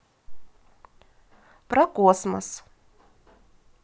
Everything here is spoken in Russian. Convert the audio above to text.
про космос